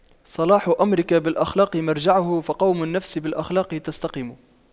صلاح أمرك بالأخلاق مرجعه فَقَوِّم النفس بالأخلاق تستقم